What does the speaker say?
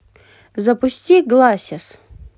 запусти гласес